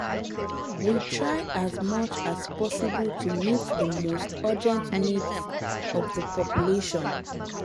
We try as much as possible to meet the most urgent needs of the population.